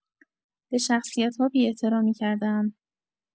به شخصیت‌ها بی‌احترامی کرده‌ام